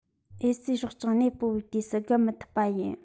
འོ གསོས སྲོག ཆགས གནས སྤོ བའི དུས སུ བརྒལ མི ཐུབ པ ཡིན